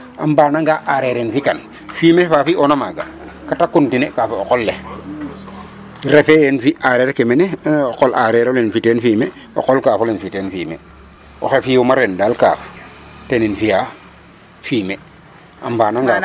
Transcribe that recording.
A mbaanang a aareer fikan fumier fa fi''oona maaga ten na continuer ka fo o qol le refee yee um fi' aareer ke mene o qol aareer ole um fi' teen fumier o qol kaaf ole fi' teen fumier oxe fi'uma ren dal kaaf ten um fi'a fumier a mbaananga koy .